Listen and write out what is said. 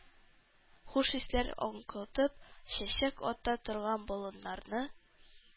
Хуш исләр аңкытып чәчәк ата торган болыннарны,